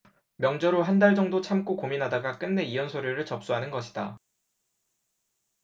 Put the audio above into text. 명절 후 한달 정도 참고 고민하다가 끝내 이혼 서류를 접수하는 것이다